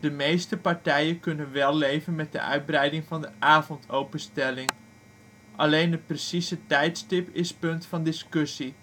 meeste partijen kunnen wel leven met de uitbreiding van de avondopenstelling. Alleen het precieze tijdstip is punt van discussie